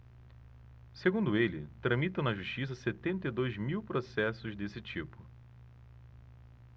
segundo ele tramitam na justiça setenta e dois mil processos desse tipo